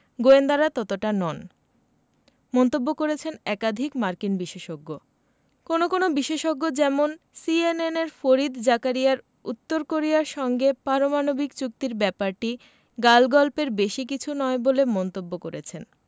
গোয়েন্দারা ততটা নন মন্তব্য করেছেন একাধিক মার্কিন বিশেষজ্ঞ কোনো কোনো বিশেষজ্ঞ যেমন সিএনএনের ফরিদ জাকারিয়ার উত্তর কোরিয়ার সঙ্গে পারমাণবিক চুক্তির ব্যাপারটি গালগপ্পের বেশি কিছু নয় বলে মন্তব্য করেছেন